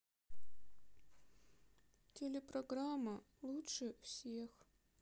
телепрограмма лучше всех